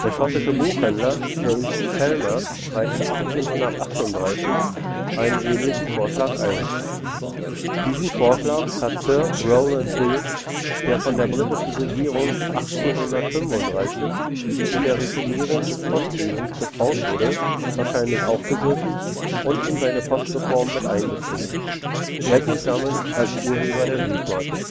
schottische Buchhändler James Chalmers reichte 1838 einen ähnlichen Vorschlag ein. Diesen Vorschlag hat Sir Rowland Hill, der von der britischen Regierung 1835 mit der Reformierung des Postwesens betraut wurde, wahrscheinlich aufgegriffen und in seine Postreform miteinbezogen. Er gilt damit als Urheber der Briefmarke